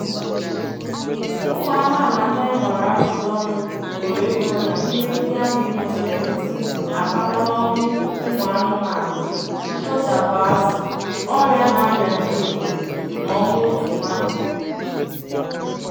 Ụmụ amaala ndị anyị gbara ajụjụọnụ boro ebubo na mmiri ndị ahụ e metọrọ emetọ akpatala ọnwụ ụmụanụmanụ, mkpochapụ azụ, ọrịa na-arịa ndị obodo, na ọnwụ otu nwata.